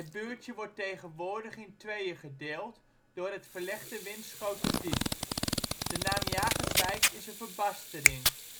buurtje wordt tegenwoordig in tweeën gedeeld door het verlegde Winschoterdiep De naam Jagerswijk is een verbastering